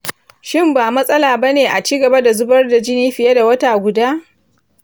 shin ba matsala ba ne a ci gaba da zubar da jini fiye da wata guda?